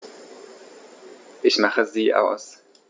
Ich mache sie aus.